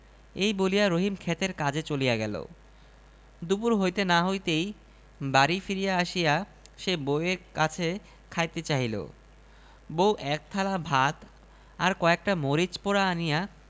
এই বলিয়া রহিম ক্ষেতের কাজে চলিয়া গেল দুপুর হইতে না হইতেই বাড়ি ফিরিয়া আসিয়া সে বউ এর কাছে খাইতে চাহিল বউ একথালা ভাত আর কয়েকটা মরিচ পোড়া আনিয়া